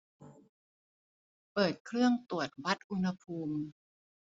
เปิดเครื่องตรวจวัดอุณหภูมิ